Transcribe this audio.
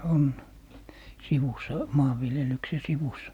on sivussa maanviljelyksen sivussa